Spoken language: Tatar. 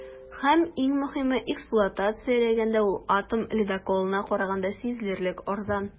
Һәм, иң мөһиме, эксплуатацияләгәндә ул атом ледоколына караганда сизелерлек арзан.